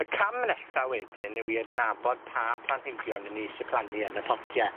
Y cam nesa wedyn yw i adnabod pa planhigion 'yn ni isie plannu yn y potie.